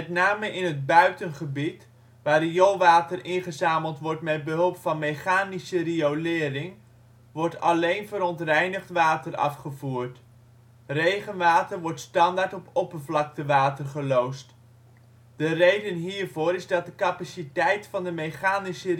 name in het buitengebied, waar rioolwater ingezameld wordt met behulp van mechanische riolering wordt alleen verontreinigd water afgevoerd, regenwater wordt standaard op oppervlaktewater geloosd. De reden hiervoor is dat de capaciteit van de mechanische riolering